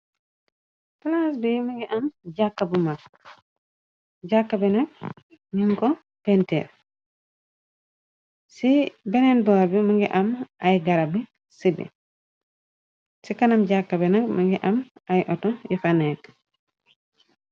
Palas bi mëngi am jàkka bu mag jàkka binag num ko pentiir ci beneen boor bi mëngi am ay gara bi sibi ci kanam jàkka binag mëngi am ay oto yu faneek.